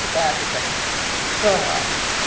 chúng ta chỉ cần sơ hở